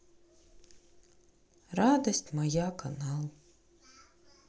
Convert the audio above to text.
радость моя канал